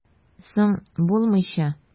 Соң, булмыйча!